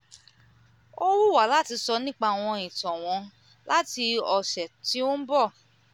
Ó wù wá láti sọ nípa àwọn ìtàn wọn láti ọ̀sẹ̀ tí ó ń bọ̀.